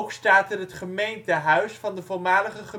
staat er het gemeentehuis van de voormalige